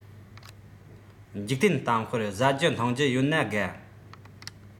འཇིག རྟེན གཏམ དཔེར བཟའ རྒྱུ འཐུང རྒྱུ ཡོད ན དགའ